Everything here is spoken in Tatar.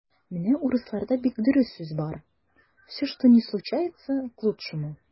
Менә урысларда бик дөрес сүз бар: "все, что ни случается - к лучшему".